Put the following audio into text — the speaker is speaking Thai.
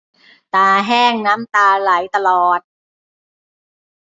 ตาแห้งน้ำตาไหลตลอด